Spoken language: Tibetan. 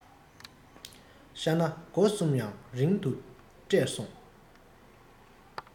ཤྭ གནའ དགོ གསུམ ཡང རིང དུ བསྐྲད སོང